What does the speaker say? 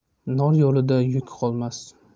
nor yo'lida yuk qolmas